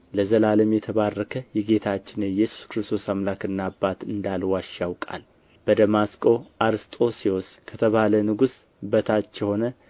ለዘላለም የተባረከ የጌታችን የኢየሱስ ክርስቶስ አምላክና አባት እንዳልዋሽ ያውቃል በደማስቆ አርስጦስዮስ ከተባለ ንጉሥ በታች የሆነ